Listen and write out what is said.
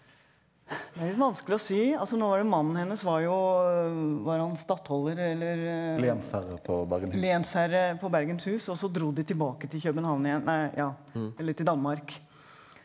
er litt vanskelig å si altså nå var det mannen hennes var jo var han stattholder eller lensherre på Bergenshus og så dro de tilbake til København igjen nei ja eller til Danmark.